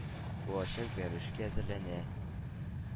Булачак бәрелешкә әзерләнә.